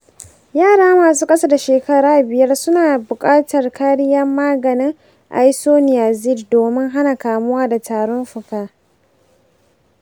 yara masu ƙasa da shekara biyar suna buƙatar kariyar maganin isoniazid domin hana kamuwa da tarin fuka.